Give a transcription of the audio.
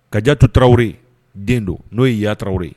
Ka jato taraweleo den don n'o ye yatawo ye